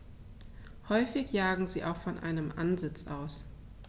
Häufig jagen sie auch von einem Ansitz aus.